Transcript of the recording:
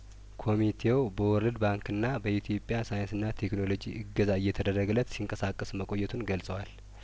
ኮሚቴው በወርልድ ባንክና በኢትዮጵያ ሳይንስና ቴክኖሎጂ እገዛ እየተደረገለት ሲንቀሳቀስ መቆየቱን ገልጸዋል